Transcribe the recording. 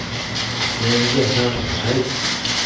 menga ham ayt